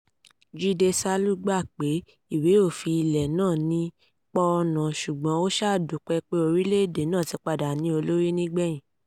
Jide Salu gbà pé ìwé òfin ilẹ̀ náà ní pọ́nńna, sùgbọ́n ó ṣá dúpẹ́ pé orílẹ̀-èdè náà ti padà ní olórí ní ìgbẹ̀yìn.